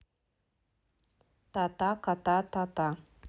та та кота та та